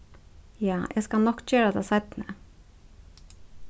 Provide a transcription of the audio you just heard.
ja eg skal nokk gera tað seinni